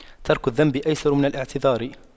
ترك الذنب أيسر من الاعتذار